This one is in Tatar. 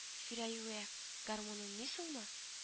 – фирәювә, гармун уйныйсынмы